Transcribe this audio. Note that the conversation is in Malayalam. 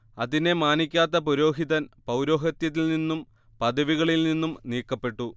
അതിനെ മാനിക്കാത്ത പുരോഹിതൻ പൗരോഹിത്യത്തിൽ നിന്നും പദവികളിൽ നിന്നും നീക്കപ്പെട്ടു